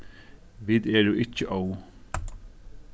vit eru ikki óð